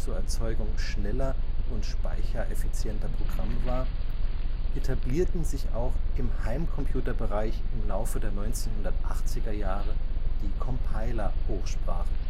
Erzeugung schneller und speichereffizienter Programme) etablierten sich auch im Heimcomputerbereich im Laufe der 1980er Jahre die Compiler-Hochsprachen